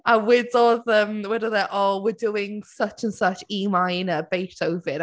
A wedodd yym, wedodd e, “oh, we’re doing such and such, E-minor, Beethoven"